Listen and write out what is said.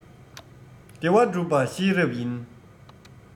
བདེ བ བསྒྲུབ པ ཤེས རབ ཡིན